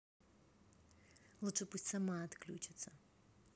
лучше пусть сама отключится